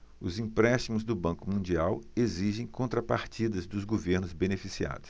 os empréstimos do banco mundial exigem contrapartidas dos governos beneficiados